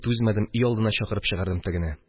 Түзмәдем, өйалдына чакырып чыгардым тегене: